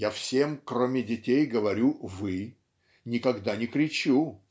Я всем, кроме детей, говорю вы, никогда не кричу